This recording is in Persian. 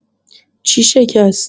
چی شکست؟